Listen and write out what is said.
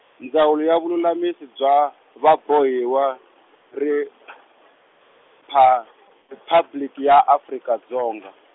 Ndzawulo ya Vululamisi bya, Vabohiwa Ripha-, Riphabliki ya Afrika Dzonga.